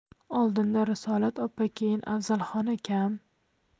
oldinda risolat opa keyin afzalxon akam